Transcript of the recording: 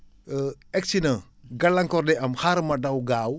egg si na gàllankoor day am xaaral ma daw gaaw